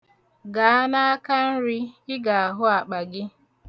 Gaa n'akanri, ị ga-ahụ akpa gị.